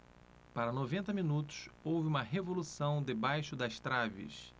para noventa minutos houve uma revolução debaixo das traves